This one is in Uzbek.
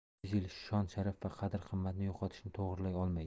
yuz yil shon sharaf va qadr qimmatni yo'qotishni to'g'irlay olmaydi